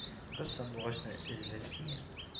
Кыз сандугачныөзелеп сөя